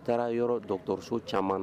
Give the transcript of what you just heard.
U taara yɔrɔ dɔgɔtɔrɔso caman